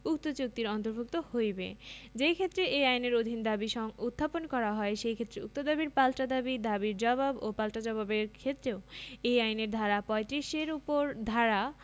উক্ত চুক্তির অন্তর্ভুক্ত হইবে যেইক্ষেত্রে এই আইনের অধীন দাবী উত্থাপন করা হয় সেইক্ষেত্রে উক্ত দাবীর পাল্টা দাবী দঅবীর জব্ব ও পাল্টা জবাবের ক্ষেত্রেও এই আইনের ধারা ৩৫ এর উপ ধারা